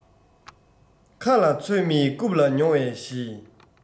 ཁ ལ ཚོད མེད རྐུབ ལ ཉོ བའི གཞི